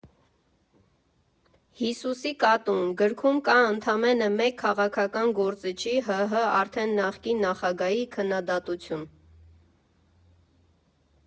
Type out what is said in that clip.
«Հիսուսի կատուն» գրքում կա ընդամենը մեկ քաղաքական գործչի՝ ՀՀ արդեն նախկին նախագահի քննադատություն։